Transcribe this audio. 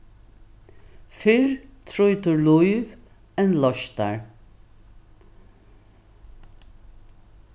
fyrr trýtur lív enn leistar